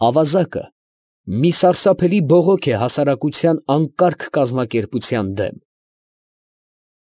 Ավազակը մի սարսափելի բողոք է հասարակության անկարգ կազմակերպության դեմ։